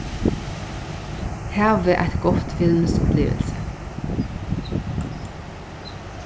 havið eitt gott filmsupplivilsi